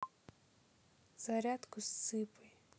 зарядку с цыпой